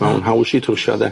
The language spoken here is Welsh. Ma'n haws i trwsio de?